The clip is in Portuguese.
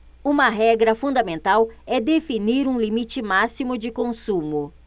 uma regra fundamental é definir um limite máximo de consumo